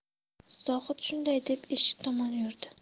zohid shunday deb eshik tomon yurdi